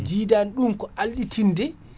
jidani ɗum ko halɗitinde